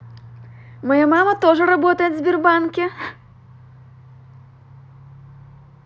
моя мама тоже работает в сбербанке